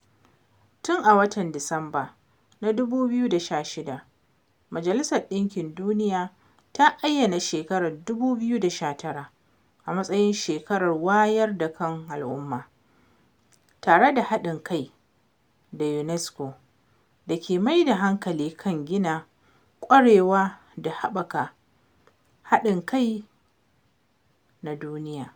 Tun a watan Disamba na 2016, Majalisar Ɗinkin Duniya ta ayyana shekarar 2019 a matsayin shekarar wayar da kan al'umma, tare da haɗin kai da UNESCO da ke mai da hankali kan gina ƙwarewa da haɓaka haɗin kai na duniya.